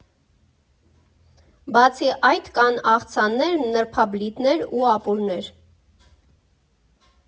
Բացի այդ, կան աղցաններ, նրբաբլիթներ ու ապուրներ։